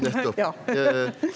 ja .